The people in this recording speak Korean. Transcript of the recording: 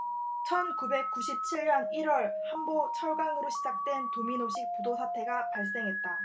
천 구백 구십 칠 년 일 월 한보 철강으로 시작된 도미노식 부도 사태가 발생했다